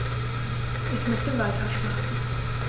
Ich möchte weiterschlafen.